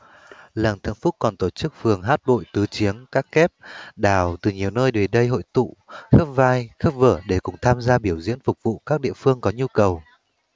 làng thượng phúc còn tổ chức phường hát bội tứ chiếng các kép đào từ nhiều nơi về đây hội tụ khớp vai khớp vở để cùng tham gia biểu diễn phục vụ các địa phương có nhu cầu